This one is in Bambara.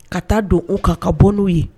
Ka taa don u kan ka bɔ n'u ye.